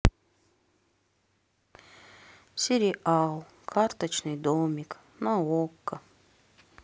сериал карточный домик на окко